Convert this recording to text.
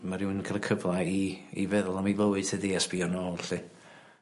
ma' rywun yn ca'l y cyfla i i feddwl am ei fywyd tydi a sbïo nôl 'lly.